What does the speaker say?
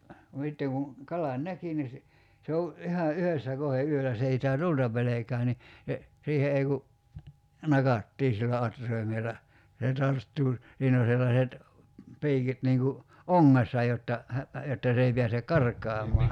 no sitten kun kalan näki niin - se on ihan yhdessä kohden yöllä se ei sitä tulta pelkää niin se siihen ei kun nakattiin sillä atraimella ja se tarttuu siinä on sellaiset piikit niin kuin ongessa jotta - jotta se ei pääse karkaamaan